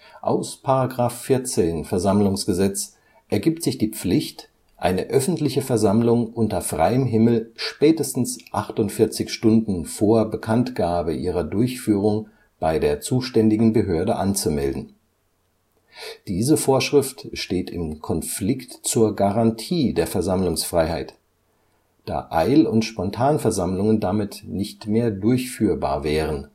Aus § 14 VersammlG ergibt sich die Pflicht, eine öffentliche Versammlung unter freiem Himmel spätestens 48 Stunden vor Bekanntgabe ihrer Durchführung bei der zuständigen Behörde anzumelden. Diese Vorschrift steht im Konflikt zur Garantie der Versammlungsfreiheit, da Eil - und Spontanversammlungen damit nicht mehr durchführbar wären